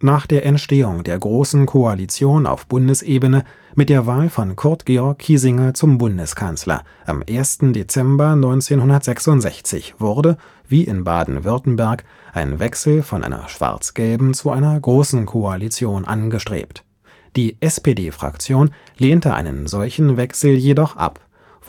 Nach der Entstehung der Großen Koalition auf Bundesebene mit der Wahl von Kurt Georg Kiesinger zum Bundeskanzler am 1. Dezember 1966 wurde – wie in Baden-Württemberg – ein Wechsel von einer schwarz-gelben zu einer Großen Koalition angestrebt. Die SPD-Fraktion lehnte einen solchen Wechsel jedoch ab, woraufhin